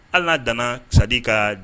Hali'a danana sadi ka